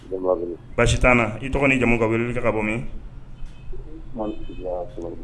Basi i tɔgɔ ni jamumu ka wele i ka bɔ min